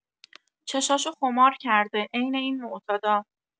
چشاشو خمار کرده عین این معتادا